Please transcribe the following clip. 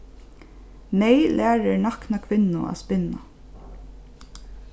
neyð lærir nakna kvinnu at spinna